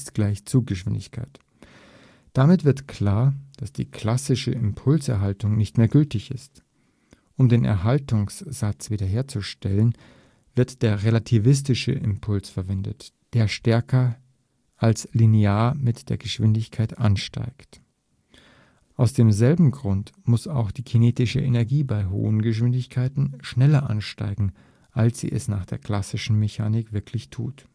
= Zuggeschwindigkeit). Damit wird klar, dass die klassische Impulserhaltung nicht mehr gültig ist. Um den Erhaltungssatz wiederherzustellen, wird der relativistische Impuls verwendet, der stärker als linear mit der Geschwindigkeit ansteigt. Aus demselben Grund muss auch die kinetische Energie bei hohen Geschwindigkeiten schneller ansteigen, als sie es nach der klassischen Mechanik tut